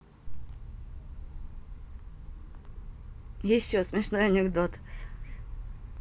еще смешной анекдот